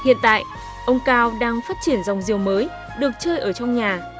hiện tại ông cao đang phát triển dòng diều mới được chơi ở trong nhà